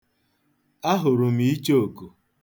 Ahụrụ m ichooku.